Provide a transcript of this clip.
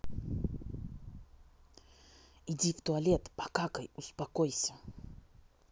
иди в туалет покакай успокойся